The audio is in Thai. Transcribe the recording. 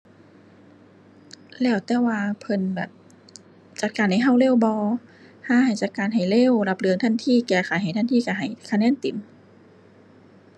แล้วแต่ว่าเพิ่นแบบ จัดการให้เราเร็วบ่ ถ้าหากจัดการให้เร็ว รับเรื่องทันที แก้ไขให้ทันทีเราให้คะแนนเต็ม